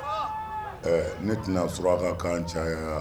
Ne tɛna surakakan caya